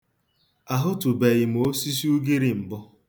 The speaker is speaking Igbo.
Ahụtụbeghị m osisi ugiri mbụ.